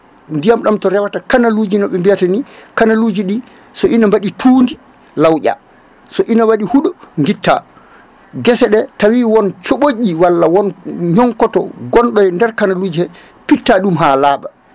ndiyam ɗam to rewata kanaluji nooɓe biyata ni kanaluji ɗi so ina mbaɗi tuudi lawƴa so ina waɗi huuɗo guitta gueseɗe tawi won coɓoƴƴi walla won ñonkkoto gonɗo e nder kanaluji he pitta ɗum ha laaɓa